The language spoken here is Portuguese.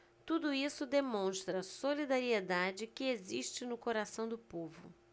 tudo isso demonstra a solidariedade que existe no coração do povo